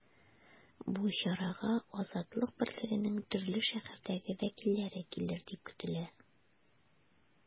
Бу чарага “Азатлык” берлегенең төрле шәһәрдәге вәкилләре килер дип көтелә.